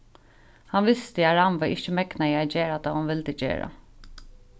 hann visti at rannvá ikki megnaði at gera tað hon vildi gera